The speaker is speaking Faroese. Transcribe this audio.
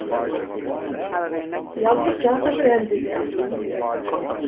eg haldi ikki at hatta fer at henda í dag